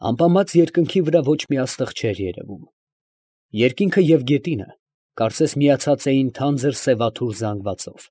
Ամպամած երկնքի վրա ոչ մի աստղ չէր երևում. երկինքը ու գետինը, կարծես, միացած էին թանձր֊սևաթուր զանգվածով։